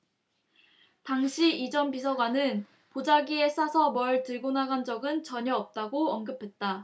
당시 이 전 비서관은 보자기에 싸서 뭘 들고 나간 적은 전혀 없다고 언급했다